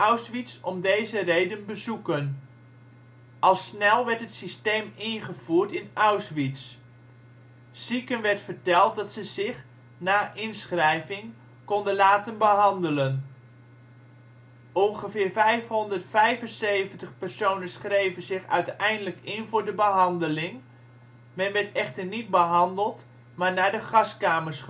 Auschwitz om deze reden bezoeken. Al snel werd het systeem ingevoerd in Auschwitz. Zieken werd verteld dat ze zich, na inschrijving, konden laten behandelen. Ongeveer 575 personen schreven zich uiteindelijk in voor de " behandeling ". Men werd echter niet behandeld, maar naar de gaskamers